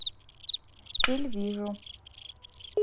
стиль вижу